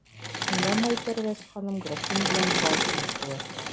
Шунда Майпәрвәз ханым графин белән бал китереп куя.